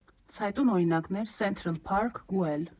Ցայտուն օրինակներ՝ Սենթրըլ Փարք, Գուել։